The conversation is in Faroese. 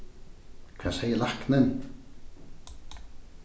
hvat segði læknin